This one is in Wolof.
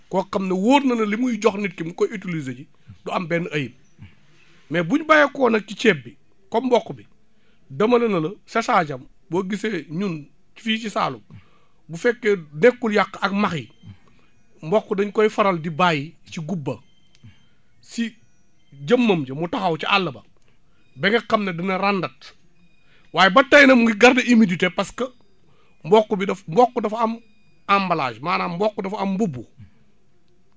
koo xam ne wóor na la li muy jox nit ki mu koy utiliser ji du am benn ayib mais bu ñu bàyyeekoo nag ci ceeb bi comme mboq bi dama le na la sa * boo gisee ñun fii_ ci Saloum bu fekkee nekkul yàq ak max yi mboq dañ koy faral di bàyyi ci guub ba si jëmmam ja mu taxaw ci àll ba ba nga xam ne dina randat waaye ba tey nag mu ngi garder humidité parce que mboq bi daf mboq dafa am emballage maanaam mboq dafa am mbubu